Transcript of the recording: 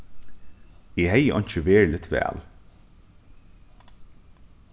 eg hevði einki veruligt val